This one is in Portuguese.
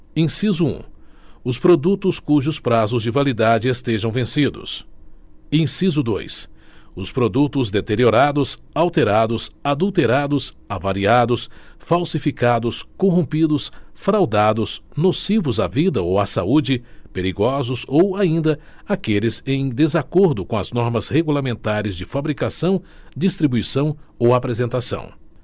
inciso um os produtos cujos prazos de validade estejam vencidos inciso dois os produtos deteriorados alterados adulterados avariados falsificados corrompidos fraudados nocivos à vida ou à saúde perigosos ou ainda aqueles em desacordo com as normas regulamentares de fabricação distribuição ou apresentação